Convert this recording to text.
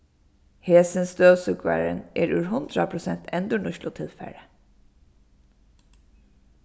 hesin støvsúgvarin er úr hundrað prosent endurnýtslutilfari